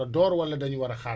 pour bañ ay pertes